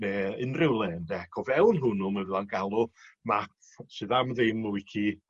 ne' unryw le ynde ac o fewn hwnnw ma' fydd o'n galw map sydd am ddim y wici